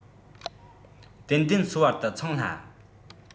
ཏན ཏན སོ བར དུ འཚང སླ